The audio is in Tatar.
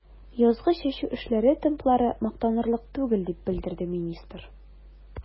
Язгы чәчү эшләре темплары мактанырлык түгел, дип белдерде министр.